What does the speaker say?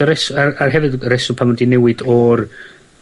y res- yy a hefyd y reswm pam ma' nw 'di newid o'r